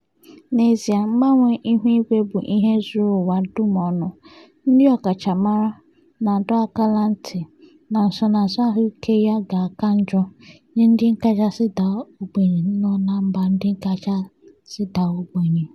N'ezie mgbanwe ihu igwe bụ ihe zuru ụwa dum ọnụ, ndị ọkachamara na-adọ aka ná ntị na nsonaazụ ahụike ya ga-aka njọ nye ndị kasị daa ogbenye nọ na mba ndị kasị daa ogbenye.